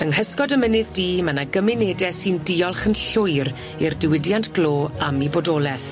Yng nghysgod y mynydd du, ma' 'na gymunede sy'n diolch yn llwyr i'r diwydiant glo am 'u bodoleth.